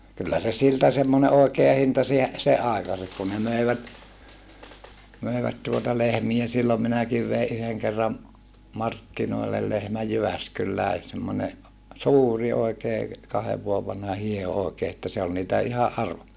kyllä se siltä semmoinen oikea hinta - sen aikaiseksi kun ne möivät möivät tuota lehmiä silloin minäkin vein yhden kerran markkinoille lehmän Jyväskylään semmoinen suuri oikein kahden vuoden vanha hieho oikein että se oli niitä ihan -